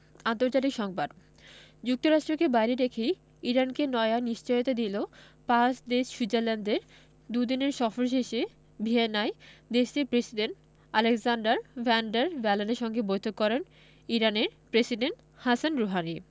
আন্তর্জাতিক সংবাদ যুক্তরাষ্ট্রকে বাইরে রেখেই ইরানকে নয়া নিশ্চয়তা দিল পাঁচ দেশ সুইজারল্যান্ডে দুদিনের সফর শেষে ভিয়েনায় দেশটির প্রেসিডেন্ট আলেক্সান্ডার ভ্যান ডার বেলেনের সঙ্গে বৈঠক করেন ইরানের প্রেসিডেন্ট হাসান রুহানি